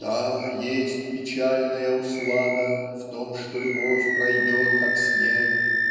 "да, есть печальная услада в том, что любовь пройдет как снег